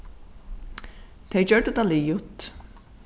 tey gjørdu tað liðugt